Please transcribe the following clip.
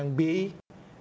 mỹ